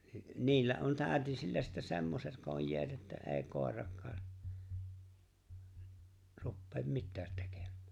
niillä on täytisillä sitten semmoiset kojeet että ei koiratkaan rupea mitään tekemään